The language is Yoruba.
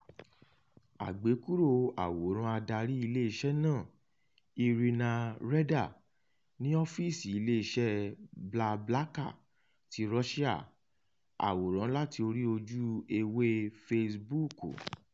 Àgékúrò àwòrán adarí iléeṣẹ́ náà, Irina Reyder ní ọ́fíìsì iléeṣẹ́ BlaBlaCar ti Russia. Àwòrán láti orí Ojú ewé. Facebook